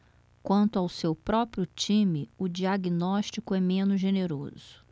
quanto ao seu próprio time o diagnóstico é menos generoso